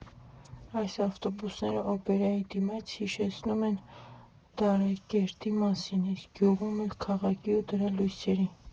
Այս ավտոբուսները Օպերայի դիմաց հիշեցնում են Դարակերտի մասին, իսկ գյուղում էլ՝ քաղաքի ու դրա լույսերի։